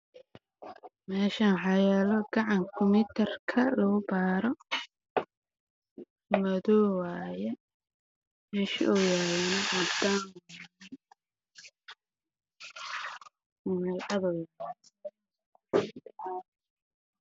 Waa gacanka kombiyuutarka lagu baaro madow waaye